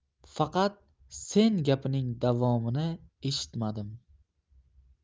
faqat sen gapining davomini eshitmadim